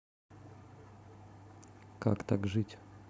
как так жить